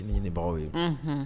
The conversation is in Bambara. E ɲinibagaw ye